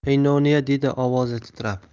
aynoniya dedi ovozi titrab